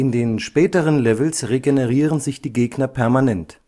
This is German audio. den späteren Levels regenerieren sich die Gegner permanent